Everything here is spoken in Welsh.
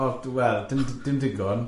O, wel, dim digon.